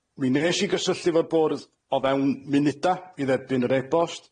Mi nes i gysylltu efo'r Bwrdd o fewn munuda i dderbyn yr e-bost.